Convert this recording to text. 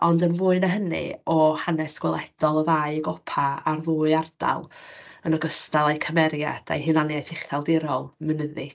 Ond yn fwy 'na hynny, o hanes gweledol y ddau gopa a'r ddwy ardal, yn ogystal â'u cymeriad a'u hunaniaeth ucheldirol mynyddig.